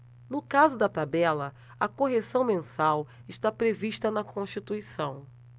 no caso da tabela a correção mensal está prevista na constituição